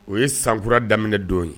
O ye sankura daminɛ don ye